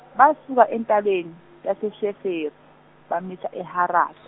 basuka entabeni, yaseSheferi, bamisa eHarad-.